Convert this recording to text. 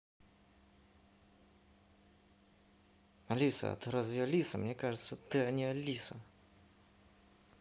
алиса а ты разве алиса мне кажется ты не алиса